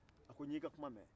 a ko n y'i ka kuma mɛn